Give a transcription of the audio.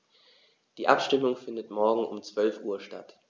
Die Abstimmung findet morgen um 12.00 Uhr statt.